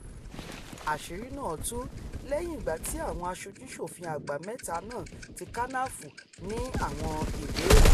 Àṣìrí náà tú lẹ́yìn ìgbà tí àwọn aṣojú-ṣòfin àgbà mẹ́ta náà ti Kavanaugh ní àwọn ìbéèrè.